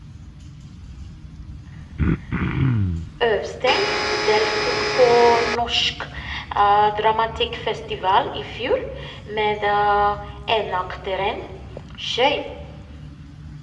Øvsteng deltok på Norsk Dramatikkfestival i fjor, med enakteren "Køyr!".